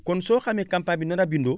kon soo xamee campagne bi nan la bindoo